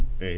eyyi